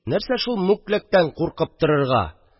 Нәрсә шул мүкләктән куркып торырга?